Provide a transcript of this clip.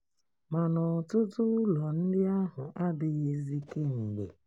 Mana ọtụtụ ụlọ ndị ahụ adịghịzị kemgbe.